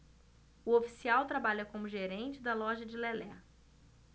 o oficial trabalha como gerente da loja de lelé